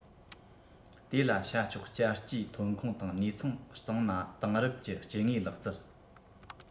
དེ ལ བྱ ཆོག བསྐྱར སྐྱེའི ཐོན ཁུངས དང ནུས ཁུངས གཙང མ དེང རབས ཀྱི སྐྱེ དངོས ལག རྩལ